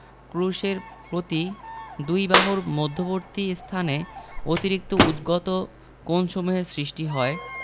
ক্রুশের প্রতি দুই বাহুর মধ্যবর্তী স্থানে অতিরিক্ত উদ্গত কোণসমূহের সৃষ্টি হয়